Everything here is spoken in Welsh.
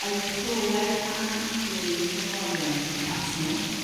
oedd clywed anadlu cerddorion o'u cwmpas nhw.